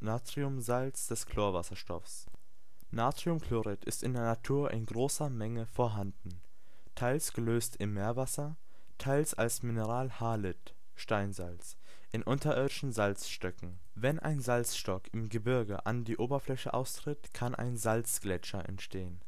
Natriumsalz des Chlorwasserstoffs. Natriumchlorid ist in der Natur in großer Menge vorhanden, teils gelöst im Meerwasser, teils als Mineral Halit (Steinsalz) in unterirdischen Salzstöcken. Wenn ein Salzstock im Gebirge an die Oberfläche austritt, kann ein Salzgletscher entstehen.